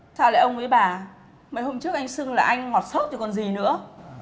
sao lại ông với bà mấy hôm trước anh xưng là anh ngọt xớt rồi còn gì nữa